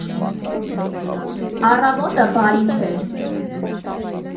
֊ Առավոտը բարի չէր…